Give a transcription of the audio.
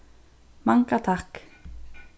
manga takk